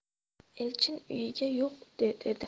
elchin uyida yo'q edi